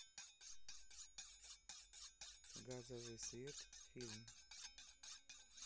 газовый свет фильм